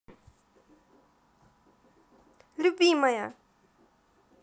любимая